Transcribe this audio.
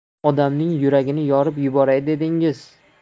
odamning yuragini yorib yuboray dedingiz